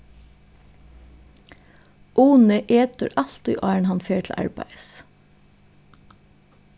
uni etur altíð áðrenn hann fer til arbeiðis